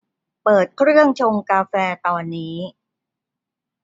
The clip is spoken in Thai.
เปิดเครื่องชงกาแฟตอนนี้